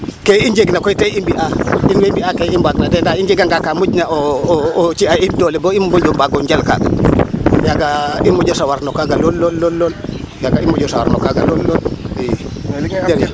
Ke i njegna koy ta i mbi'aa ke i mbi'aa ke i mbaagna de ndaa i njeganga ka moƴna o ci' a in doole bo i moƴo mbaago njal kaaga yaga yaga i moƴo sawar no kaaga lool lool yaaga i moƴo sawar no kaaga lool lol ii.